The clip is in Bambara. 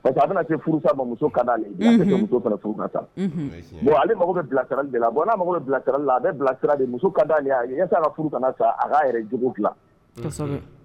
Parce que a bɛna furu a ma furu bon ale mako bilaka de la bɔn n'a mako bila la a bɛ bilasiraale a furu sa a' yɛrɛ jugu